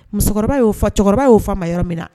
Musokɔrɔba y'o cɛkɔrɔba y'o ma yɔrɔ minna na